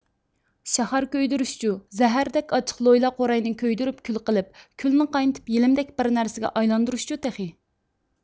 شاخار كۆيدۈرۈشچۇ زەھەردەك ئاچچىق لويلا قوراينى كۆيدۈرۈپ كۈل قىلىپ كۈلنى قاينىتىپ يېلىمدەك بىر نەرسىگە ئايلاندۇرۇشچۇ تېخى